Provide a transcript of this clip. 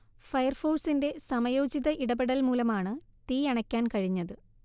ഫയർഫോഴ്സിെൻറ സമയോചിത ഇടപെടൽ മൂലമാണ് തീയണക്കാൻ കഴിഞ്ഞത്